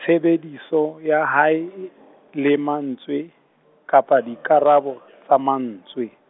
tshebediso ya hae , le mantswe, kapa dikaralo , tsa mantswe.